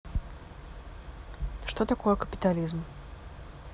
что такое капитализм